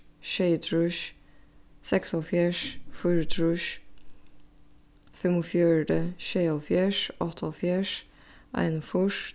sjeyogtrýss seksoghálvfjerðs fýraogtrýss fimmogfjøruti sjeyoghálvfjerðs áttaoghálvfjerðs einogfýrs